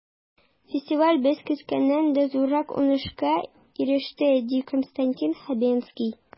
Фестиваль без көткәннән дә зуррак уңышка иреште, ди Константин Хабенский.